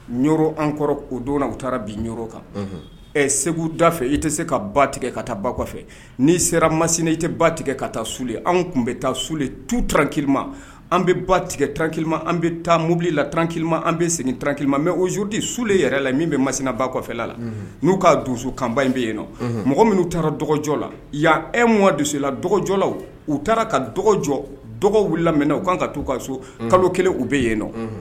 Yɔrɔ an kɔrɔ o don u taara bi yɔrɔ kan ɛ segu da fɛ i tɛ se ka ba tigɛ ka taa ba kɔfɛ n'i sera masina i tɛ ba tigɛ ka taa sule an tun bɛ taa sule tu tanrankima an bɛ ba tigɛ tanrankima an bɛ taa mobili la trankima an bɛ segin tanrankililima ma mɛ o s joodi su de yɛrɛ la min bɛ masina ba kɔfɛ la n'u ka dusu kanba in bɛ yenɔ mɔgɔ minnu u taara dɔgɔjɔ la yan e m dusu la dɔgɔjɔlaw u taara ka dɔgɔjɔ dɔgɔ wulila minɛ u kan ka taa u ka so kalo kelen u bɛ yen